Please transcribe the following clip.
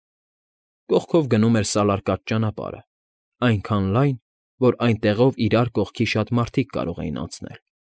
Կողքով գնում էր սալարկած ճանապարհը, այնքան լայն, որ այնտեղով իրար կողքի շատ մարդիկ կարող էին անցնել։